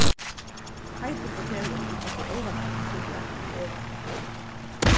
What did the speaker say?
heitið fortelur okkum hvussu álvarsamir trupulleikarnir eru